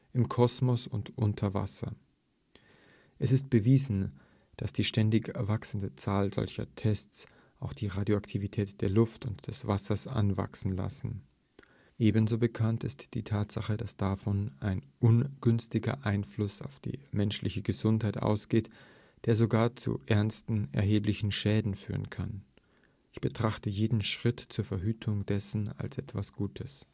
im Kosmos und unter Wasser. Es ist bewiesen, dass die ständig wachsende Zahl solcher Tests auch die Radioaktivität der Luft und des Wassers anwachsen lassen. Ebenso bekannt ist die Tatsache, dass davon ein ungünstiger Einfluss auf die menschliche Gesundheit ausgeht, der sogar zu ernsten erblichen Schäden führen kann. Ich betrachte jeden Schritt zur Verhütung dessen als etwas Gutes